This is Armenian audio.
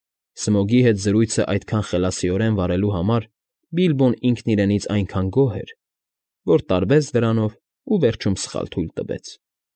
Սմոգի հետ զրույցն այդքան խելացիորեն վարելու համար Բիլբոն ինքն իրենից այնքան գոհ էր, որ տարվեց դրանով ու վերջում սխալ թույլ տվեց։